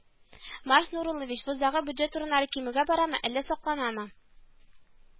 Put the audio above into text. Марс Нуруллович, вуздагы бюджет урыннары кимүгә барамы, әллә сакланамы